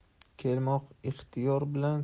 kelmoq ixtiyor bilan